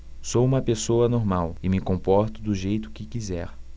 sou homossexual e me comporto do jeito que quiser